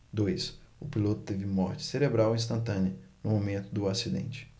dois o piloto teve morte cerebral instantânea no momento do acidente